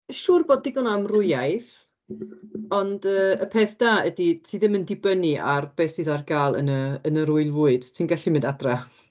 Siŵr bod digon o amrywiaeth, ond yy y peth da ydi ti ddim yn dibynnu ar be sydd ar gael yn y yn yr wyl fwyd. Ti'n gallu mynd adra.